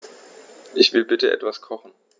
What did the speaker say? Ich will bitte etwas kochen.